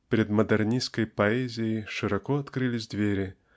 пред модернистской поэзией широко открылись двери